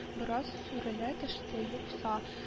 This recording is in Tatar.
Бераз сүрелә төште, юкса